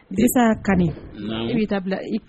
Bi taa ka ne bɛi taa bila